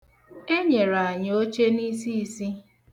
Enyere anyị oche n'isiisi.